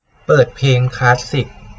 เปิดเพลงคลาสสิค